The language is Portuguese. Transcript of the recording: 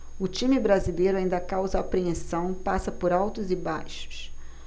o time brasileiro ainda causa apreensão passa por altos e baixos